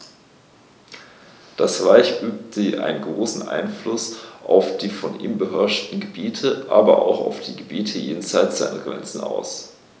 Das Reich übte einen großen Einfluss auf die von ihm beherrschten Gebiete, aber auch auf die Gebiete jenseits seiner Grenzen aus.